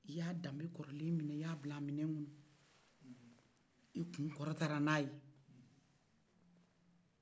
i ya dame kɔrɔlen minɛ i ya bil'a minɛ kɔnɔ i kun kɔrɔtala n'a ye